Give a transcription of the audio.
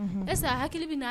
E hakili bɛ